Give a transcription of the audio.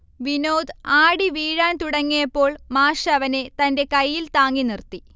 വിനോദ് ആടി വീഴാൻ തുടങ്ങിയപ്പോൾ മാഷവനെ തന്റെ കയ്യിൽ താങ്ങി നിർത്തി